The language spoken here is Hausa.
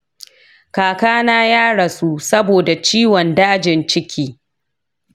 kakana ya rasu saboda ciwon dajin ciki